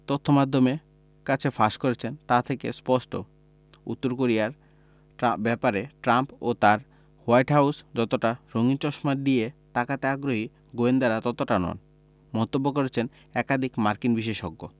তথ্যমাধ্যমের কাছে ফাঁস করেছেন তা থেকে স্পষ্ট উত্তর কোরিয়ার ব্যাপারে ট্রাম্প ও তাঁর হোয়াইট হাউস যতটা রঙিন চশমা দিয়ে তাকাতে আগ্রহী গোয়েন্দারা ততটা নন মন্তব্য করেছেন একাধিক মার্কিন বিশেষজ্ঞ